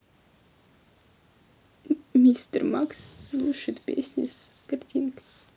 мистер макс слушает песни с картинкой